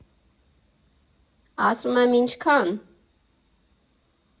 Ասում եմ՝ ինչքա՞ն։